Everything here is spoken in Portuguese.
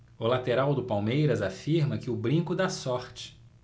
o lateral do palmeiras afirma que o brinco dá sorte